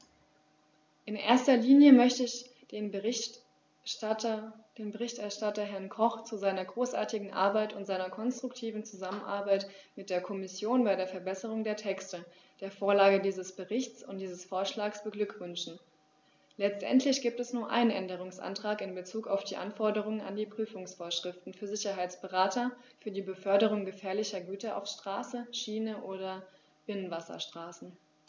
In erster Linie möchte ich den Berichterstatter, Herrn Koch, zu seiner großartigen Arbeit und seiner konstruktiven Zusammenarbeit mit der Kommission bei der Verbesserung der Texte, der Vorlage dieses Berichts und dieses Vorschlags beglückwünschen; letztendlich gibt es nur einen Änderungsantrag in bezug auf die Anforderungen an die Prüfungsvorschriften für Sicherheitsberater für die Beförderung gefährlicher Güter auf Straße, Schiene oder Binnenwasserstraßen.